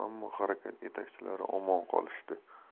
ammo harakat yetakchilari omon qolishdi